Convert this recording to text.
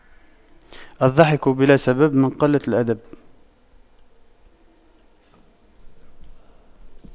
الضحك بلا سبب من قلة الأدب